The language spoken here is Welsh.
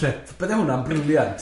Bydde hwnna'n brilliant.